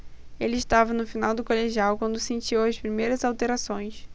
ele estava no final do colegial quando sentiu as primeiras alterações